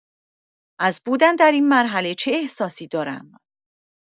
از بودن دراین مرحله چه احساسی دارم؟